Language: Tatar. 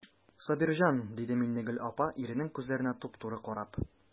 Сабирҗан,– диде Миннегөл апа, иренең күзләренә туп-туры карап.